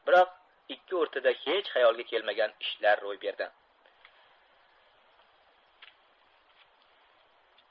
biroq ikki o'rtada hech hayolga kelmagan ishlar ro'y berdi